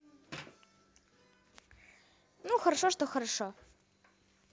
ну хорошо что хорошо